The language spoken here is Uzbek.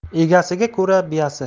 egasiga ko'ra biyasi